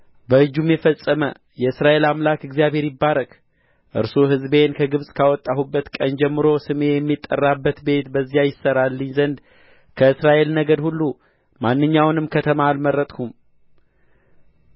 በእጁም የፈጸመ የእስራኤል አምላክ እግዚአብሔር ይባረክ እርሱም ሕዝቤን ከግብጽ ካወጣሁበት ቀን ጀምሮ ስሜ የሚጠራበት ቤት በዚያ ይሠራልኝ ዘንድ ከእስራኤል ነገድ ሁሉ ማንኛውንም ከተማ አልመረጥሁም